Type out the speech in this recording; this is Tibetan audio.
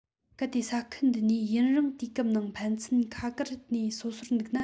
གལ ཏེ ས ཁུལ འདི གཉིས ཡུན རིང དུས སྐབས ནང ཕན ཚུན ཁ གར ནས སོ སོར འདུག ན